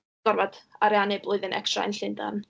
gorfod ariannu blwyddyn extra yn Llundain.